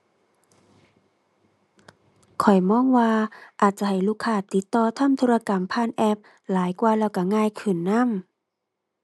ข้อยมองว่าอาจจะให้ลูกค้าติดต่อทำธุรกรรมผ่านแอปหลายกว่าแล้วก็ง่ายขึ้นนำ